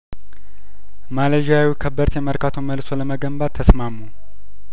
ማሌዥያዊው ከበርቴ መርካቶን መልሶ ለመገንባት ተስማሙ